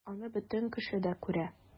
Аны бөтен кеше дә күрә...